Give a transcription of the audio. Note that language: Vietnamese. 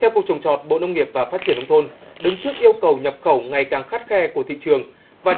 theo cục trồng trọt bộ nông nghiệp và phát triển nông thôn đứng trước yêu cầu nhập khẩu ngày càng khắt khe của thị trường và để